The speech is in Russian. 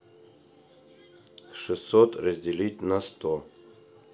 шестьсот разделить на сто